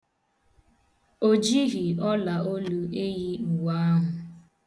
O jighi ọlaolu eyi uwe ahụ.